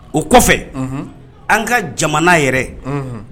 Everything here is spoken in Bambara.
O kɔfɛ an ka jamana yɛrɛ